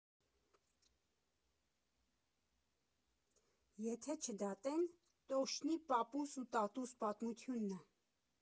Եթե չդատեն, տոշնի պապուս ու տատուս պատմությունն ա։